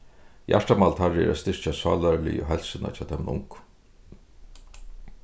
hjartamál teirra er at styrkja sálarligu heilsuna hjá teimum ungu